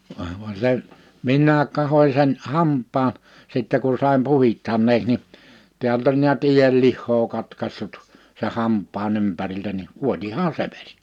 ei vuoda vaan se minä katsoin sen hampaan sitten kun sain puhdistaneeksi niin täältä oli näet ienlihaa katkaisut sen hampaan ympäriltä niin vuotihan se veri